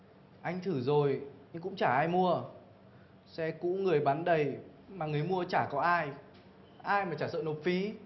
anh thử rồi nhưng cũng chả ai mua xe cũ người bán đầy mà người mua chả có ai ai mà chả sợ nộp phí